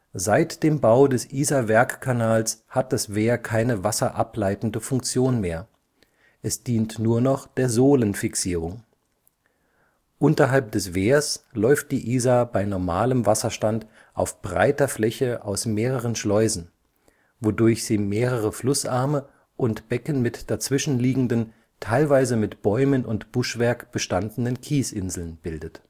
Seit dem Bau des Isarwerkkanals hat das Wehr keine wasserableitende Funktion mehr, es dient nur noch der Sohlenfixierung. Unterhalb des Wehres läuft die Isar bei normalem Wasserstand auf breiter Fläche aus mehreren Schleusen, wodurch sie mehrere Flussarme und Becken mit dazwischenliegenden, teilweise mit Bäumen und Buschwerk bestandenen Kiesinseln bildet